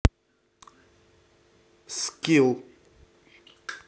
скилл